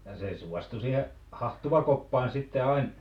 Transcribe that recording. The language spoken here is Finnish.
ja se suostui siihen hahtuvakoppaan sitten aina